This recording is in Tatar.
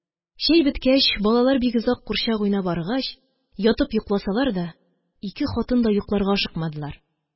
Чәй беткәч, балалар бик озак курчак уйнап арыгач, ятып йокласалар да, ике хатын да йокларга ашыкмадылар.